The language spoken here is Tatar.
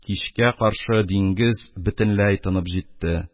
Кичкә каршы диңгез бөтенләй тынып җитте.